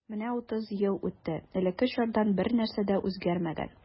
Менә утыз ел үтте, элекке чордан бернәрсә дә үзгәрмәгән.